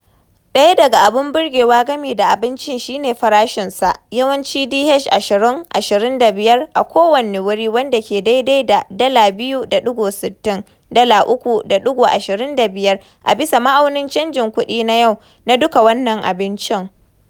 Daya daga abun burgewa game da abincin shi ne farashinsa, yawanci DH 20-25 a kowanne wuri wanda ke daidai da $2.60-3.25 a bisa ma'aunin canjin kuɗi na yau - na duka wannan abincin!